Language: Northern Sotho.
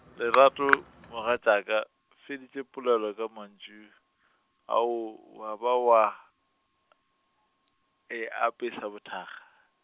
Lerato mogatšaka, feditše polelo ka mantšu, ao wa ba wa, e apeša bothakga.